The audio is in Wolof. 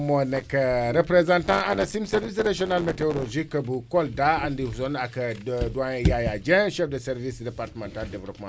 service régional météo bu Kolda * ak doyen Yaya Diang chef de service départemental développement rural fii ci agriculture bu Kolda